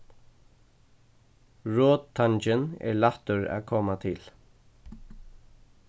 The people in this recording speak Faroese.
rottangin er lættur at koma til